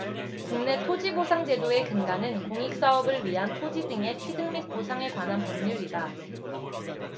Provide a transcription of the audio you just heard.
국내 토지보상제도의 근간은 공익사업을 위한 토지 등의 취득 및 보상에 관한 법률이다